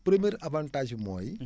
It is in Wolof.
première avantage bi mooy